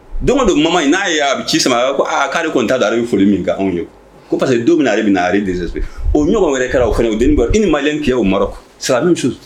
Don ko don kuma in n'a ye' ci sama ye ko aa k'ale kɔni ta da' a foli min anw ye ko parce que don bɛ ale bɛna na ali dez o ɲɔn wɛrɛ kɛra o fana o den i ni malen kɛ' o mara sarasu